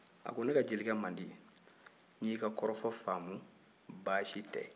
a ko ne ka jelikɛ mandi n y'i ka kɔrɔfɔ faamu baasi tɛ